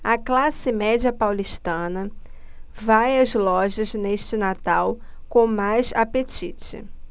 a classe média paulistana vai às lojas neste natal com mais apetite